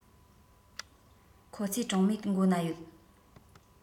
ཁོ ཚོའི གྲོང མིའི མགོ ན ཡོད